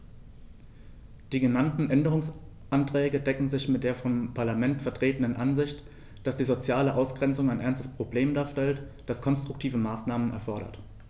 Die genannten Änderungsanträge decken sich mit der vom Parlament vertretenen Ansicht, dass die soziale Ausgrenzung ein ernstes Problem darstellt, das konstruktive Maßnahmen erfordert.